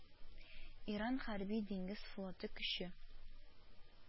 Иран хәрби диңгез флоты көне